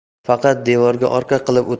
faqat devorga orqa